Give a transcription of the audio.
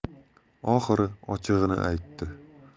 oxiri ochig'ini aytdi